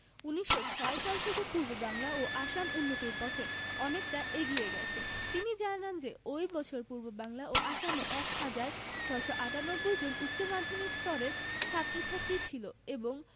১৯০৬ সাল থেকে পূর্ববাংলা ও আসাম উন্নতির পথে অনেকটা এগিয়ে গেছে তিনি জানান যে ওই বছর পূর্ববাংলা ও আসামে ১ হাজার ৬৯৮ জন উচ্চ মাধ্যমিক স্তরের ছাত্র ছাত্রী ছিল এবং